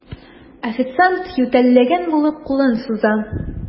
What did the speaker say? Официант, ютәлләгән булып, кулын суза.